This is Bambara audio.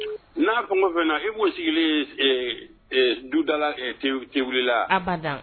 N'a kungɔ fɛn na i b'o sigilen duda tela